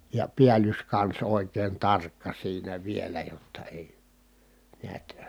ja päällyskansi oikein tarkka siinä vielä jotta ei näet